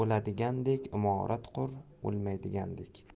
imorat qur o'lmaydigandek